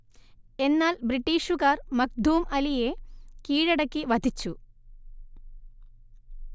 എന്നാൽ ബ്രിട്ടീഷുകാർ മഖ്ദൂം അലിയെ കീഴടക്കി വധിച്ചു